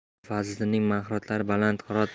mulla fazliddinning mahoratlari baland hirot